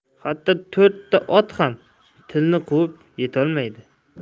hatto to'rtta ot ham tilni quvib yetolmaydi